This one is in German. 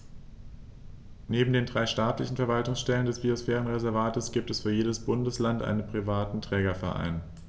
Neben den drei staatlichen Verwaltungsstellen des Biosphärenreservates gibt es für jedes Bundesland einen privaten Trägerverein.